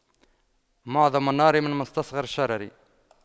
معظم النار من مستصغر الشرر